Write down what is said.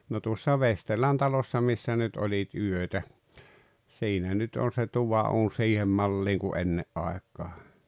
no tuossa Vesterlän talossa missä nyt olit yötä siinä nyt on se tuvanuuni siihen malliin kuin ennen aikaan